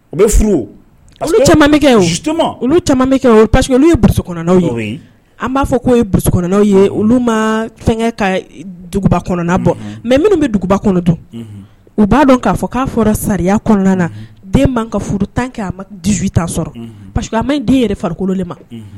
Ukɛ ye an b'a fɔ ko ye kɔnɔnw ye olu ma fɛn ka duguba kɔnɔn bɔ mɛ minnu bɛ duguba kɔnɔtɔn u b'a dɔn k'a fɔ k'a fɔra sariya kɔnɔna den'an ka furu tan kɛ a ma ta sɔrɔ a ma den yɛrɛ farikolokolo de ma